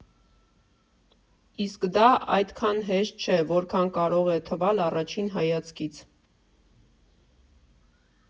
Իսկ դա այդքան հեշտ չէ, որքան կարող է թվալ առաջին հայացքից։